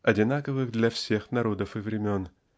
одинаковых для всех народов и времен